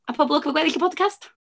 A pob lwc efo gweddill y podcast.